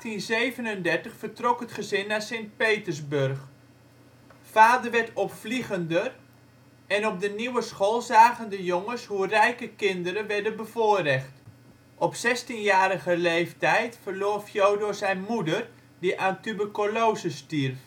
In 1837 vertrok het gezin naar Sint-Petersburg. Vader werd opvliegender, en op de nieuwe school zagen de jongens hoe rijke kinderen werden bevoorrecht. Op zestienjarige leeftijd verloor Fjodor zijn moeder, die aan tuberculose stierf